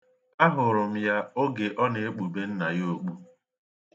Ahụrụ m ya oge ọ na-ekpube nna ya.